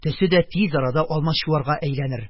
Төсе дә тиз арада алмачуарга әйләнер..